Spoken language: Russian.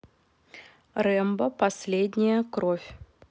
рембо последняя кровь